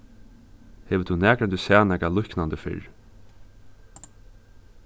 hevur tú nakrantíð sæð nakað líknandi fyrr